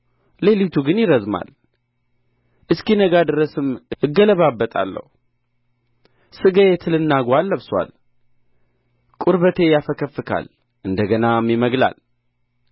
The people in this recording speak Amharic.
ሌሊቱ ግን ይረዝማል እስኪነጋ ድረስም እገለባበጣለሁ ሥጋዬ ትልና ጓል ለብሶአል ቁርበቴ ያፈከፍካል እንደ ገናም ይመግላል